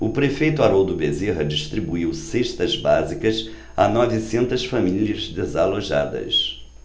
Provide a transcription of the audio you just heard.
o prefeito haroldo bezerra distribuiu cestas básicas a novecentas famílias desalojadas